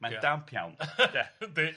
mae'n damp iawn de yndy.